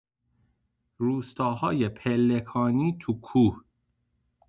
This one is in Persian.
روستاهای پلکانی تو کوه.